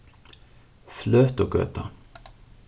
fløtugøta